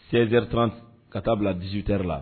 16h30 ka t'aa bila 18 h00 la